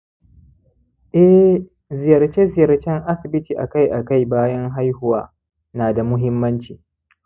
eh, ziyarce-ziyarcen asibiti akai-akai bayan-haihuwa na da muhimmanci